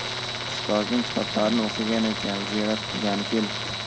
ustozning kitoblarini o'qigan ekan ziyorat qilgani kelibdi